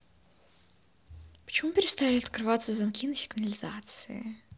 почему перестали открываться замки на сигнализации